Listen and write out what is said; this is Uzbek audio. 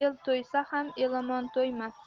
el to'ysa ham elomon to'ymas